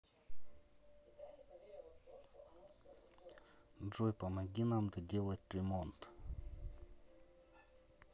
джой помоги нам доделать ремонт